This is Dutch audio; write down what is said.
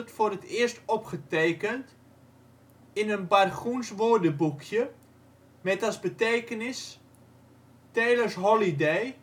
voor het eerst opgetekend, in een Bargoens woordenboekje, met als betekenis ' Taylers Holiday